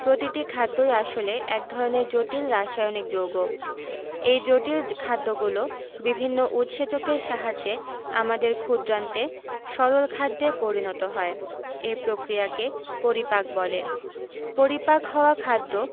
প্রতিটি খাদ্যই আসলে এক ধরনের জটিল রাসায়নিক যৌগ এই জটিল খাদ্যগুলো বিভিন্ন উৎসেচকের সাহায্যে আমাদের ক্ষুদ্রান্তে সরল খাদ্যে পরিণত হয় এই প্রক্রিয়াকে পরিপাক বলে পরিপাক হওয়া খাদ্য